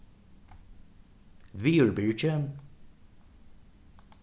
viðurbyrgi